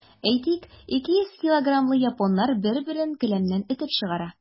Әйтик, 200 килограммлы японнар бер-берен келәмнән этеп чыгара.